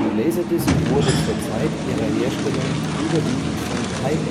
Laserdisc wurde zur Zeit ihrer Herstellung überwiegend von High-End-Usern